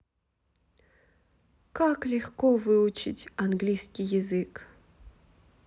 как легко выучить английский язык